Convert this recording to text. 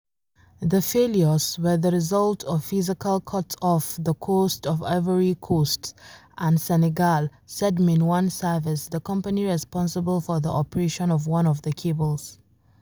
The failures were the result of physical cuts off the coasts of Ivory Coast and Senegal, said Main One Service, the company responsible for the operation of one of the cables.